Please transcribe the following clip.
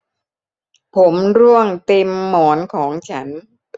ผมร่วงเต็มหมอนของฉัน